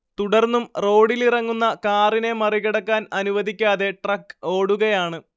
തുടർന്നും റോഡിലിറങ്ങുന്ന കാറിനെ മറികടക്കാൻ അനുവദിക്കാതെ ട്രക്ക് ഓടുകയാണ്